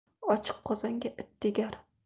ochiq qozonga it tegar